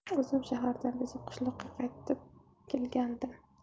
o'zim shahardan bezib qishloqqa qaytib kelgandim